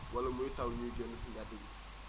wala muy taw ñuy génn si mbedd yi